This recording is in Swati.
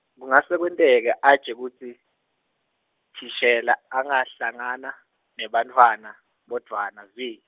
kungase kwenteke aje kutsi, thishela angahlangana, nebantfwana, bodvwana zwi.